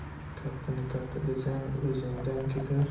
kattani katta desang o'zidan ketar